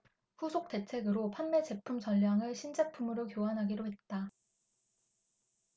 후속 대책으로 판매 제품 전량을 신제품으로 교환하기로 했다